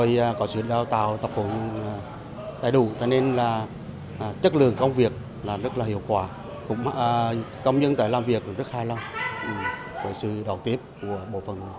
có sự đào tạo tập huấn đầy đủ và nên là chất lượng công việc là rất là hiệu quả công nhân làm việc rất hài lòng với sự đoàn kết của bộ phận